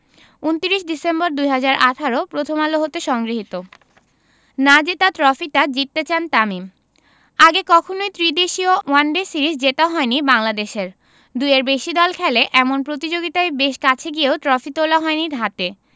২৯ December ২০১৮ প্রথম আলো হতে সংগৃহীত না জেতা ট্রফিটা জিততে চান তামিম আগে কখনোই ত্রিদেশীয় ওয়ানডে সিরিজ জেতা হয়নি বাংলাদেশের দুইয়ের বেশি দল খেলে এমন প্রতিযোগিতায় বেশ কাছে গিয়েও ট্রফি তোলা হয়নি হাতে